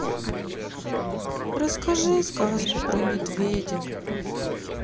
расскажи сказку про медведя